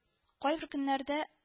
Кайбер көннәрдә, г